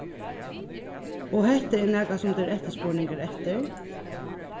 og hetta er nakað sum tað er eftirspurningur eftir